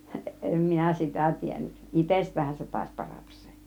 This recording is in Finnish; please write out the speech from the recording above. en minä sitä tiennyt itsestäänhän se taisi parata se